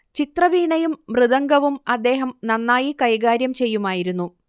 ചിത്രവീണയും മൃദംഗവും അദ്ദേഹം നന്നായി കൈകാര്യം ചെയ്യുമായിരുന്നു